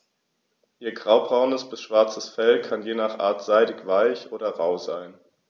Ihr graubraunes bis schwarzes Fell kann je nach Art seidig-weich oder rau sein.